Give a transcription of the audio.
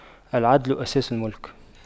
العدل أساس الْمُلْك